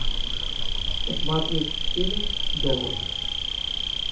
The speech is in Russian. посмотреть фильм довод